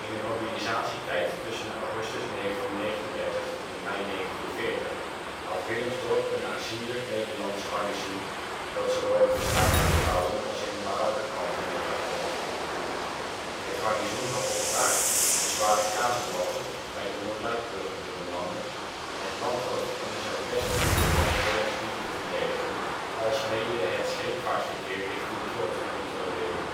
de mobilisatietijd tussen augustus 1939 en mei 1940 had Willemsdorp een aanzienlijk Nederlands garnizoen dat zowel in bestaande gebouwen als in een barakkenkamp onderdak vond. Het garnizoen had tot taak de zware kazematten bij de Moerdijkbruggen te bemannen, het landhoofd en de zuidwest oever van het Hollands Diep te verdedigen alsmede het scheepvaartverkeer richting Kil te controleren